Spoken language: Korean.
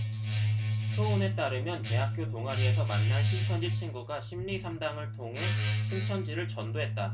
효은에 따르면 대학교 동아리에서 만난 신천지 친구가 심리상담을 통해 신천지를 전도했다